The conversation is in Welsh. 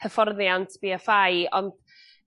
hyfforddiant Bee Eff I on'